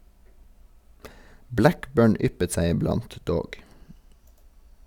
Blackburn yppet seg iblant, dog.